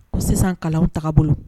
Ko sisan kalan ta bolo